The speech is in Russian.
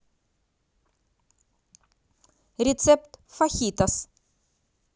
рецепт фахитос